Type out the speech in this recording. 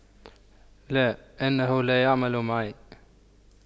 لا إنه لا يعمل معي